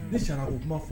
Ne sara u kuma fɔ